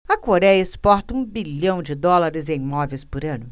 a coréia exporta um bilhão de dólares em móveis por ano